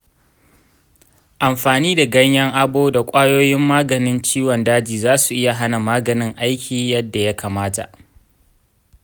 amfani da ganyen agbo da kwayoyin maganin ciwon daji zasu iya hana maganin aiki yadda ya kamata.